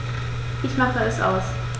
Ich mache es aus.